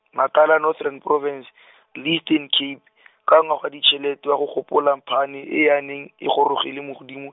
Natala Northern Province , le Eastern Cape, ka ngwaga wa ditshelete wa go gopola phane e a neng e gorogile mo godimo.